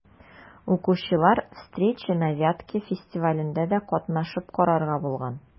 Укучылар «Встречи на Вятке» фестивалендә дә катнашып карарга булган.